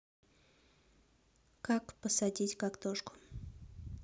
как посадить картошку